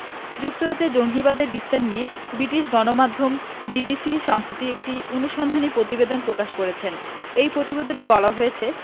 যুক্তরাজ্যে জঙ্গিবাদের বিস্তার নিয়ে বিটিশ সংবাদমাধ্যম বিবিসি সম্প্রতি একটি অনুসন্ধানী পতিবেদন প্রকাশ করেছে সেই পতিবেদনে বলা হয়েছে